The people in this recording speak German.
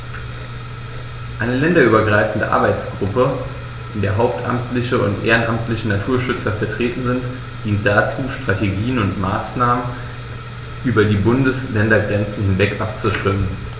Eine länderübergreifende Arbeitsgruppe, in der hauptamtliche und ehrenamtliche Naturschützer vertreten sind, dient dazu, Strategien und Maßnahmen über die Bundesländergrenzen hinweg abzustimmen.